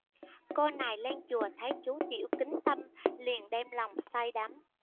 cô này lên chùa thấy chú tiểu kính tâm liền đem lòng say đắm